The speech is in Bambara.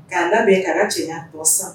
K'a labɛn bɛn ka cɛɲa tɔ san